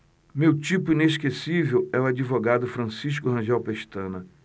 meu tipo inesquecível é o advogado francisco rangel pestana